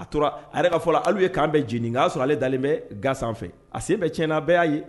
A tora a yɛrɛ ka fɔ la hali u ye camp bɛɛ jeni nka a y'a sɔrɔ ale dalen bɛ gwa sanfɛ a sen bɛ tiɲɛn na bɛɛ y'a ye.